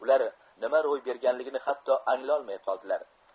ular nima ro'y bertanligini hatto anglolmay qoldilar